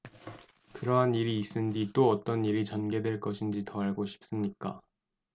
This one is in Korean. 그러한 일이 있은 뒤 또 어떤 일이 전개될 것인지 더 알고 싶습니까